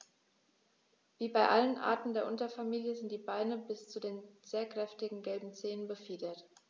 Wie bei allen Arten der Unterfamilie sind die Beine bis zu den sehr kräftigen gelben Zehen befiedert.